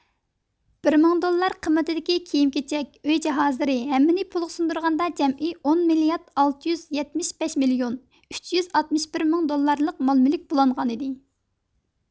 بىر مىڭ دوللار قىممىتىدىكى كىيىم كېچەك ئۆي جاھازلىرى ھەممىنى پۇلغا سۇندۇرغاندا جەمئىي ئون مىليارد ئالتە يۈز يەتمىش بەش مىليون ئۈچ يۈز ئاتمىش بىر مىڭ دوللارلىق مال مۈلۈك بۇلانغانىدى